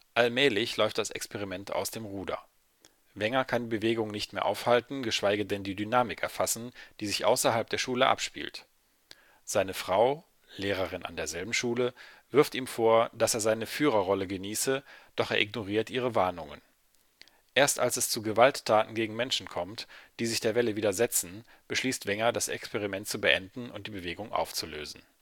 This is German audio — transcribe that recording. Allmählich läuft das Experiment aus dem Ruder. Wenger kann die Bewegung nicht mehr aufhalten, geschweige denn die Dynamik erfassen, die sich außerhalb der Schule abspielt. Seine Frau, Lehrerin an derselben Schule, wirft ihm vor, dass er seine Führerrolle genieße, doch er ignoriert ihre Warnungen. Erst als es zu Gewalttaten gegen Menschen kommt, die sich der Welle widersetzen, beschließt Wenger, das Experiment zu beenden und die Bewegung aufzulösen